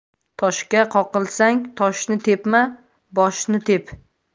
toshga qoqilsang toshni tepma boshni tep